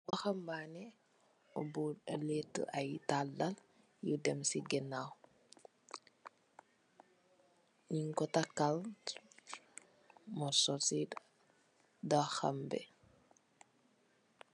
Waxambaane bu laytu ay tataal dem si ganaw nyung ko takal murso si doxombi.